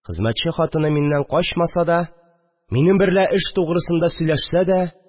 Хезмәтче хатыны миннән качмаса да, минем берлә эш тугрысында сөйләшсә дә